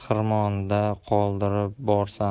xirmonda qoldirib borsam